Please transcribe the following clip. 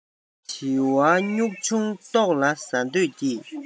བྱི བ སྨྱུག ཆུང ལྟོགས ལ ཟ འདོད ཀྱིས